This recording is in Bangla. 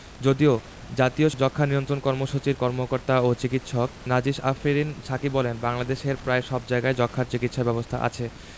যদিও জাতীয় যক্ষ্মা নিয়ন্ত্রণ কর্মসূচির কর্মকর্তা ও চিকিৎসক নাজিস আরেফিন সাকী বলেন দেশের প্রায় সব জায়গায় যক্ষ্মার চিকিৎসা ব্যবস্থা আছে